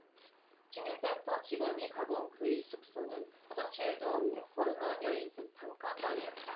주민센터 직원이 가본 그의 숙소는 화장실도 없는 허름한 여인숙 단칸방이었다